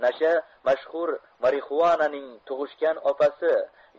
nasha mashhur marixuananing tug'ishgan opasi